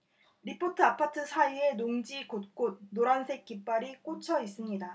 리포트 아파트 사이의 농지 곳곳 노란색 깃발이 꽂혀 있습니다